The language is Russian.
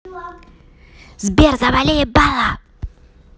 сбер завали ебало